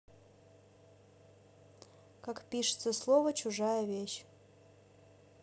как пишется слово чужая вещь